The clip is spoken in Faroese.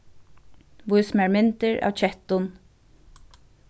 vís mær myndir av kettum